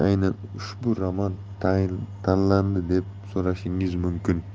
aynan ushbu roman tanlandi deb so'rashingiz mumkin